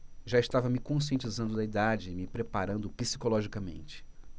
já estava me conscientizando da idade e me preparando psicologicamente